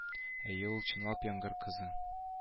Әйе ул чынлап яңгыр кызы